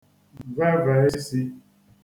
vevè ishī